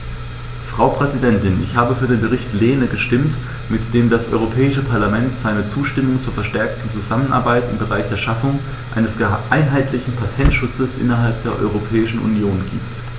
Frau Präsidentin, ich habe für den Bericht Lehne gestimmt, mit dem das Europäische Parlament seine Zustimmung zur verstärkten Zusammenarbeit im Bereich der Schaffung eines einheitlichen Patentschutzes innerhalb der Europäischen Union gibt.